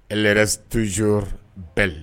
Ɛrɛ too bɛɛ